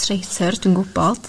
traitor dwi'n gwbod